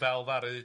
Fel ddaru